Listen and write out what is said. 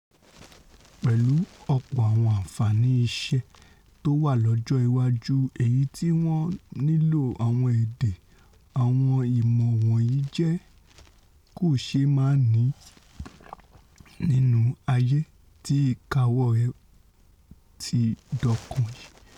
Pẹ̀lú ọ̀pọ̀ àwọn àǹfààni iṣẹ̵́ tówà lọ́jọ́ iwájú èyití wọ́n nílò àwọn èdè, àwọn ìmọ̀ wọ̀nyí jẹ́ kòṣeémáàní nínú ayé tí ìkáwọ́ rẹ̀ ti dọ̀kan yìí.